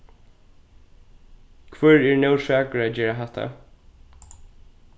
hvør er nóg svakur at gera hatta